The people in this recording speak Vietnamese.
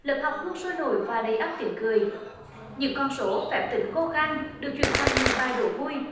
lớp học luôn sôi nổi và đầy ắp tiếng cười những con số phép tính khô khan được chuyển thành những bãi đổ vui